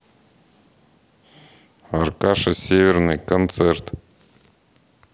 аркаша северный концерт